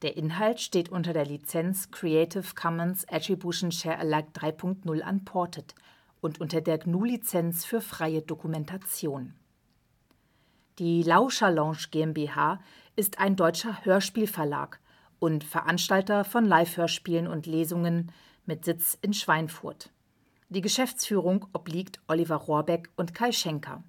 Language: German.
Inhalt steht unter der Lizenz Creative Commons Attribution Share Alike 3 Punkt 0 Unported und unter der GNU Lizenz für freie Dokumentation. Lauscherlounge Rechtsform GmbH Gründung 2015 Sitz Deutschland Schweinfurt Leitung Oliver Rohrbeck und Kai Schenker (Geschäftsführung) Mitarbeiter 19 Branche Hörbuch - u. Hörspielproduktionen, Live-Hörspiele und Lesungen Website http://www.lauscherlounge.de Die Lauscherlounge GmbH ist ein deutscher Hörspielverlag und Veranstalter von Live-Hörspielen und Lesungen mit Sitz in Schweinfurt. Die Geschäftsführung obliegt Oliver Rohrbeck und Kai Schenker